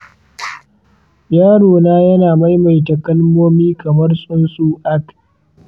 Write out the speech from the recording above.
yarona yana maimaita kalmomi kamar tsuntsun ak